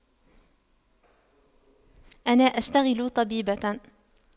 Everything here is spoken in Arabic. أنا أشتغل طبيبة